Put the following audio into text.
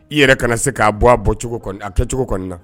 I yɛrɛ ka na se k'a bɔ a bɔ cogo a tɛ cogo kɔnɔna na